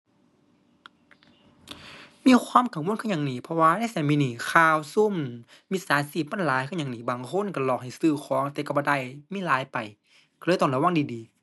มีความกังวลคือหยังหนิ เพราะว่าในสมัยนี้ ข่าวซุมมิจฉาชีพมันหลายคือหยังหนิ บางคนก็หลอกให้ซื้อของแต่ก็บ่ได้ มีหลายไป ก็เลยต้องระวังดีดี